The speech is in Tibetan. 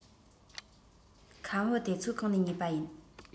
ཁམ བུ དེ ཚོ གང ནས ཉོས པ ཡིན